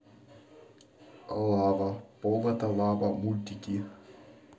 лава пол это лава мультики